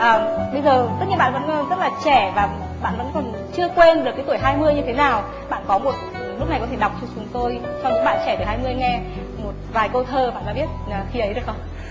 bây giờ tất nhiên bạn vẫn rất là trẻ bạn vẫn còn chưa quên được cái tuổi hai mươi như thế nào bạn có một lúc này có thể đọc cho chúng tôi cho những bạn trẻ tuổi hai mươi nghe một vài câu thơ bạn đã viết khi ấy được không